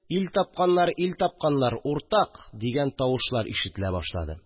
«ил тапканнар, ил тапканнар! уртак!» – дигән тавышлар ишетелә башлады